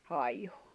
haiku